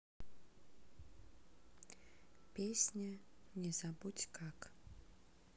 песня не забудь как